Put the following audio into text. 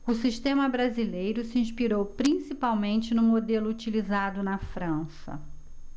o sistema brasileiro se inspirou principalmente no modelo utilizado na frança